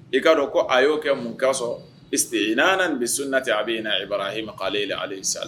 I k'a dɔn ko a y'o kɛ mun kɔsɔn,